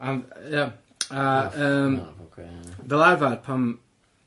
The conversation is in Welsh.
A m-... Ia a yym... Graham ia. ...fel arfar pan